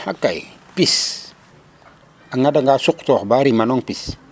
Axa kay pis a ŋadanga suqtoox ba rimanong pis.